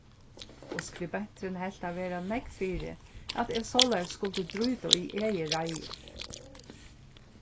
og skribenturin helt tað vera nógv fyri at eg soleiðis skuldi dríta í egið reiður